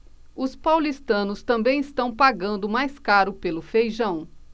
os paulistanos também estão pagando mais caro pelo feijão